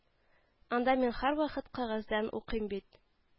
—анда мин һәрвакыт кәгазьдән укыйм бит